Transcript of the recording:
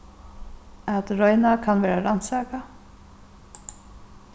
at royna kann vera at rannsaka